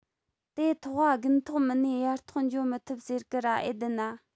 དེ ཐོག ག དགུན ཐོག མིན ནས དབྱར ཐོག འགྱོ མི ཐུབ ཟེར གི ར ཨེ བདེན ན